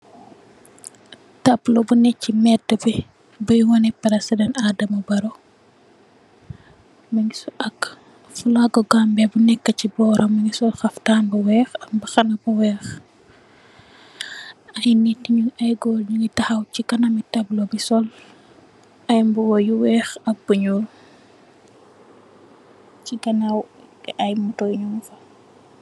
Tablo bu be se meda be buye waneh president Adama Barrow muge ak flagu gambia bu neka se boram muge sol haftan bu weex am mbaxana bu weex aye neet ye aye goor nuge tahaw se kaname tablo be sol aye muba yu weex ak bu nuul se ganaw aye motor nugfa.